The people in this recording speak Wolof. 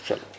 voilà